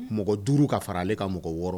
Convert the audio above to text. Mɔgɔ duuru ka fara ale ka mɔgɔ wɔɔrɔ